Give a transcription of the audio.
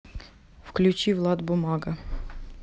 включи влад бумага